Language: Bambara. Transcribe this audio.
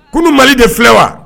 Kunun mali de filɛ wa